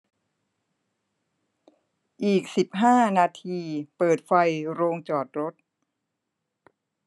อีกสิบห้านาทีเปิดไฟโรงจอดรถ